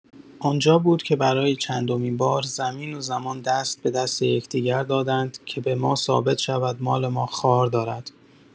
آنجا بود که برای چندمین بار زمین و زمان دست به دست یکدیگر دادند که به ما ثابت شود مال ما خار دارد!